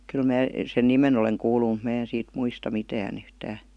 kyllä minä sen nimen olen kuullut mutta minä en siitä muista mitään yhtään